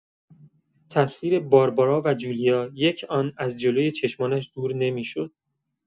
تصویر باربارا و جولیا یک آن از جلوی چشمانش دور نمی‌شد.